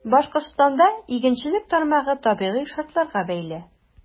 Башкортстанда игенчелек тармагы табигый шартларга бәйле.